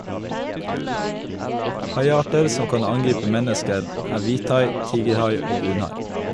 Haiarter som kan angripe mennesker er hvithai, tigerhai og brunhai.